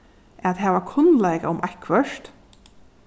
at hava kunnleika um eitthvørt